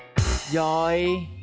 rồi